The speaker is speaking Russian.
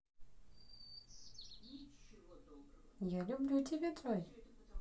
я люблю тебя джой